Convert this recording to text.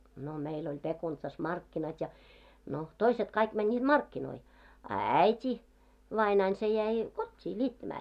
no meillä oli Pekunitsassa markkinat ja no toiset kaikki menivät markkinoihin a äiti vainaani se jäi kotiin niittämään